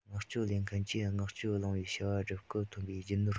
མངགས བཅོལ ལེན མཁན གྱིས མངགས བཅོལ བླངས པའི བྱ བ སྒྲུབ སྐབས ཐོབ པའི རྒྱུ ནོར